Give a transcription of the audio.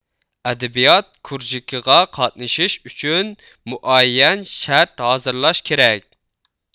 ئەدەبىيات كۇرژۇكىغا قاتنىشىش ئۈچۈن مۇئەييەن شەرت ھازىرلاش كېرەك